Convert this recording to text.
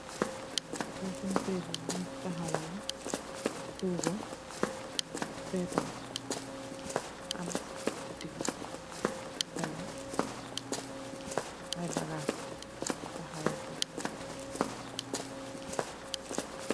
Amb tabol la wounge tahawal la am aye bagas yungefa tek